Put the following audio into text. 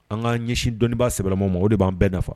An ka ɲɛsin dɔnniibaa sɛlama ma o de b'an bɛɛ nafa